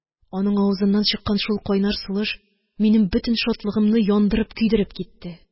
Аның авызыннан чыккан шул кайнар сулыш минем бөтен шатлыгымны яндырып, көйдереп китте